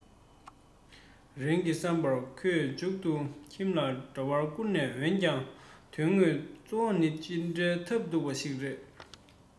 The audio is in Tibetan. རིང གི བསམ པར ཁོས མཇུག ཏུ ཁྱིམ ལ འདྲ པར བསྐུར ཡང འོན ཀྱང དོན དངོས འཚོ བ ནི ཇི འདྲའི ཐབས སྡུག པ ཞིག རེད